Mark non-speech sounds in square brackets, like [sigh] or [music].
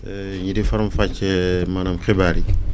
[hesitation] ñii di faram-fàccee maanaam xibaar yi